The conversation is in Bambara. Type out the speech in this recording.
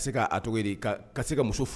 Cogo se ka